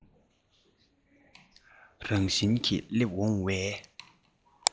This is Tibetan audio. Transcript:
རང བཞིན གྱིས སླེབས འོང བའི